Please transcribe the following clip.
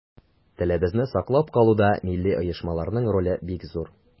Телебезне саклап калуда милли оешмаларның роле бик зур.